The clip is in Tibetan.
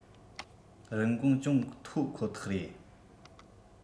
རིན གོང ཅུང མཐོ ཁོ ཐག རེད